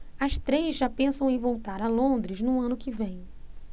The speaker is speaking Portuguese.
as três já pensam em voltar a londres no ano que vem